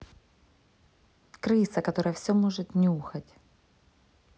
крыса которая все может нюхать